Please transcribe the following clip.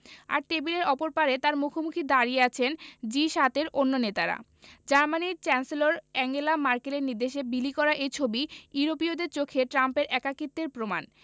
আর টেবিলের অপর পারে তাঁর মুখোমুখি দাঁড়িয়ে আছেন জি ৭ এর অন্য নেতারা জার্মানির চ্যান্সেলর আঙ্গেলা ম্যার্কেলের নির্দেশে বিলি করা এই ছবি ইউরোপীয়দের চোখে ট্রাম্পের একাকিত্বের প্রমাণ